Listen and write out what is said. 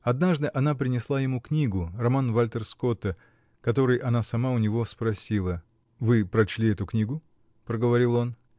Однажды она принесла ему книгу, роман Вальтер Скотта, который она сама у него спросила. -- Вы прочли эту книгу? -- проговорил он.